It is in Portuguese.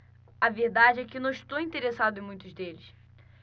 a verdade é que não estou interessado em muitos deles